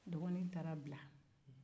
dɔgɔnin taara bila